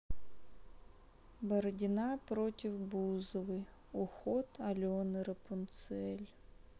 бородина против бузовой уход алены рапунцель